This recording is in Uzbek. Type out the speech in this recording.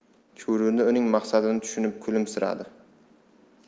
chuvrindi uning maqsadini tushunib kulimsiradi